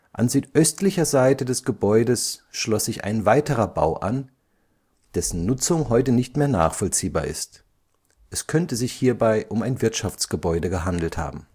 An südöstlicher Seite des Gebäudes schloss sich ein weiterer Bau an, dessen Nutzung heute nicht mehr nachvollziehbar ist. Es könnte sich hierbei um ein Wirtschaftsgebäude gehandelt haben